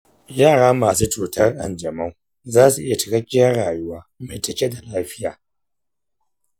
yara masu cutar ƙanjamau zasu iya cikakkiyar rayuwa mai cike da lafiya.